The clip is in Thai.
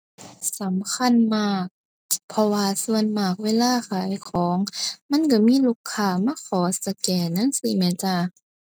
สำคัญมากเพราะว่าส่วนมากเวลาขายของ มันก็มีลูกค้ามาขอสแกนจั่งซี้แหมจ้า